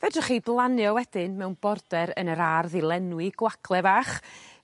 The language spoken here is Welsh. Fedrwch chi 'i blannu o wedyn mewn border yn yr ardd i lenwi gwacle fach.